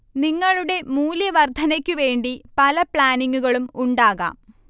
നിങ്ങളുടെ മൂല്യ വർദ്ധനക്ക് വേണ്ടി പല പ്ലാനിങ്ങുകളും ഉണ്ടാകാം